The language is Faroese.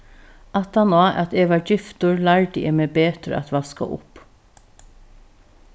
aftan á at eg varð giftur lærdi eg meg betur at vaska upp